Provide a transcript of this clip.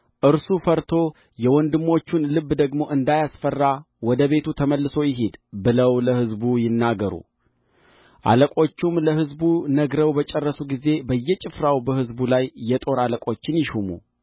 እርሱ ፈርቶ የወንድሞቹን ልብ ደግሞ እንዳያስፈራ ወደ ቤቱ ተመልሶ ይሂድ ብለው ለሕዝቡ ይናገሩ አለቆቹም ለሕዝቡ ነግረው በጨረሱ ጊዜ በየጭፍራው በሕዝቡ ላይ የጦር አለቆችን ይሹሙ